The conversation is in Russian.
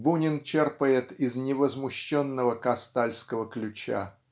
Бунин черпает из невозмущенного Кастальского ключа.